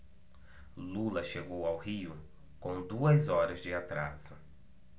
lula chegou ao rio com duas horas de atraso